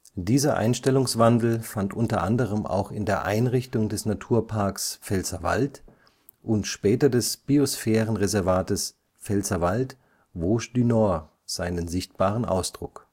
Dieser Einstellungswandel fand u. a. auch in der Einrichtung des Naturparks Pfälzerwald und später des Biosphärenreservates Pfälzerwald-Vosges du Nord seinen sichtbaren Ausdruck